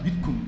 huit communes